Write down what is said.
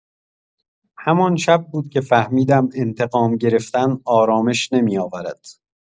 همان شب بود که فهمیدم انتقام گرفتن آرامش نمی‌آورد.